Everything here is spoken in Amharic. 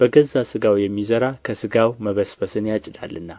በገዛ ሥጋው የሚዘራ ከሥጋ መበስበስን ያጭዳልና